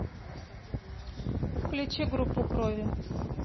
включи группу крови